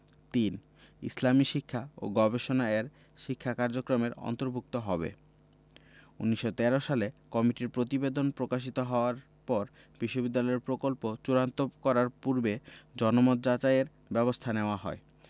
৩. ইসলামী শিক্ষা ও গবেষণা এর শিক্ষা কার্যক্রমের অন্তর্ভুক্ত হবে ১৯১৩ সালে কমিটির প্রতিবেদন প্রকাশিত হওয়ার পর বিশ্ববিদ্যালয়ের প্রকল্প চূড়ান্ত করার পূর্বে জনমত যাচাইয়ের ব্যবস্থা নেওয়া হয়